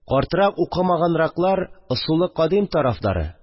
Картрак, укымаганраклар – ысул кадим тарафдары